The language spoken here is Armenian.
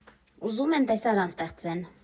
Ուզում են տեսարան ստեղծեն։